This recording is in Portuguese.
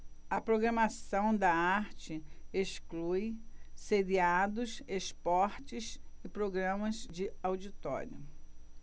a programação da arte exclui seriados esportes e programas de auditório